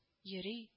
Йөри